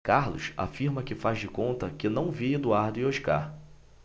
carlos afirma que faz de conta que não vê eduardo e oscar